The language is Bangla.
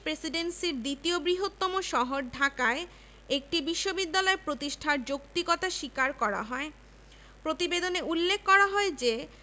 সিনেটের অনেক সদস্যের বিরোধিতা সত্ত্বেও ১৭ থেকে ২০ ডিসেম্বর ১৯১৯ আইনের কিছু কিছু অনুচ্ছেদ ধারা ও উপধারা সংশোধন পরিমার্জন পূর্বক